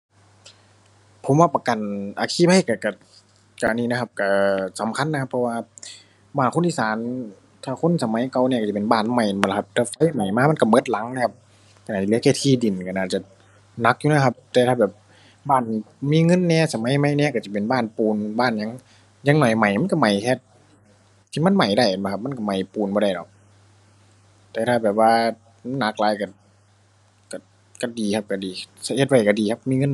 ผมว่าประกันอัคคีภัยก็ก็ก็อันนี้นะครับ ก็สำคัญนะครับ เพราะว่าบ้านคนอีสานถ้าคนสมัยเก่านี่ก็สิเป็นบ้านไม้แม่นบ่ล่ะครับ ถ้าไฟไหม้มามันก็เบิดหลังเดะครับ ก็น่าจะเหลือแค่ที่ดิน ก็น่าจะหนักอยู่นะครับ แต่ถ้าแบบบ้านมีเงินแหน่ สมัยใหม่แหน่ ก็สิเป็นบ้านปูน บ้านหยัง อย่างน้อยไหม้มันก็ไหม้แค่ที่มันไหม้ได้แม่นบ่ล่ะครับ มันก็ไหม้ปูนบ่ได้ดอก แต่ถ้าแบบว่ามันหนักหลายก็ก็ก็ดีครับก็ดี ซั้นเฮ็ดไว้ก็ดีครับมีเงิน